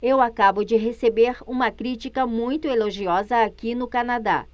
eu acabo de receber uma crítica muito elogiosa aqui no canadá